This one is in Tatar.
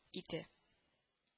Иде